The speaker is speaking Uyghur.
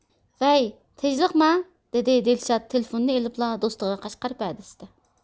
ۋەي تېژلىقما دىدى دىلشاد تېلىفوننى ئېلىپلا دوستىغا قەشقەر پەدىسىدە